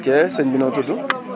ok sëñ bi noo tudd